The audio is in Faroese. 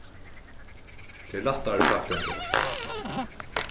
tað er lættari sagt enn gjørt